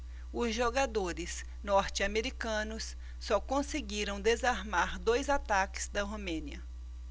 os jogadores norte-americanos só conseguiram desarmar dois ataques da romênia